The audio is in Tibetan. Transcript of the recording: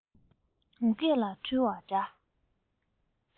ངུ སྐད ལ འཁྲུལ བ འདྲ